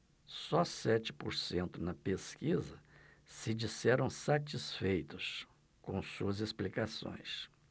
só sete por cento na pesquisa se disseram satisfeitos com suas explicações